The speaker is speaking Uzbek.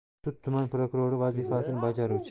sud tuman prokurori vazifasini bajaruvchi